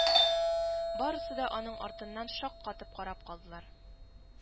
Барысы да аның артыннан шаккатып карап калдылар